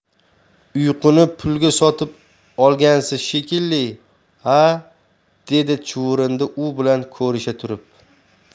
uyquni pulga sotib olgansiz shekilli a dedi chuvrindi u bilan ko'risha turib